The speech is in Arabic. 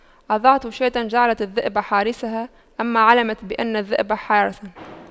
أضعت شاة جعلت الذئب حارسها أما علمت بأن الذئب حراس